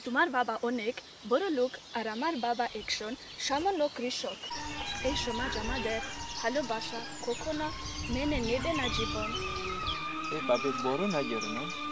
তোমার বাবা অনেক বড়লোক আর আমার বাবা একজন সামান্য কৃষক এই সমাজ আমাদের ভালোবাসা কখনো মেনে নেবে না জীবন এভাবে বল না জরিনা